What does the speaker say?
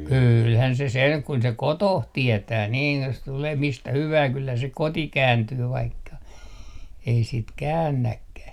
kyllähän se sen kun se kotonsa tietää niin jos tulee mistä hyvänsä kyllä se kotiin kääntyy vaikka ei sitten käännäkään